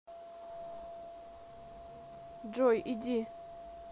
джой иди